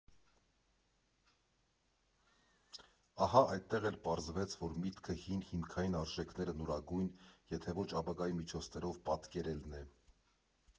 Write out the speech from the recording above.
Ահա այդտեղ էլ պարզվեց, որ միտքը հին, հիմքային արժեքները նորագույն, եթե ոչ ապագայի միջոցներով պատկերելն է։